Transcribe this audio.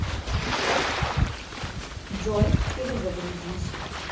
джой перезагрузись